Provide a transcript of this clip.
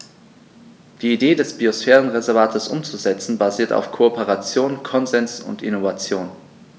Die Idee des Biosphärenreservates umzusetzen, basiert auf Kooperation, Konsens und Innovation.